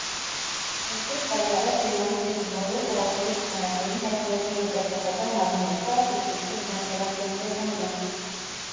Մոտ կես տարի առաջ Երևանի գրեթե բոլոր փողոցների ցուցանակներին հայտնվեցին երկրաչափական մարմիններ՝ քառակուսի, շրջան, եռանկյուն և վեցանկյուն։